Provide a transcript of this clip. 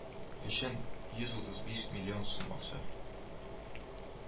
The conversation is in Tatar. Өчен йөз утыз биш миллион сум акча